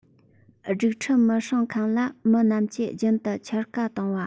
སྒྲིགས ཁྲིམས མི སྲུང མཁན ལ མི རྣམས ཀྱིས རྒྱུན དུ འཕྱར ཀ གཏོང བ